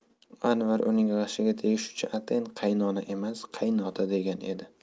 anvar uning g'ashiga tegish uchun atayin qaynona emas qaynota degan edi